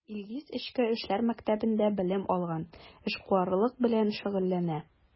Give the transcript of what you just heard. Илгиз Эчке эшләр мәктәбендә белем алган, эшкуарлык белән шөгыльләнә.